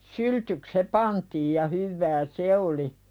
syltyksi se pantiin ja hyvää se oli